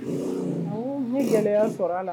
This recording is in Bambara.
Ni gɛlɛyaya sɔrɔ a la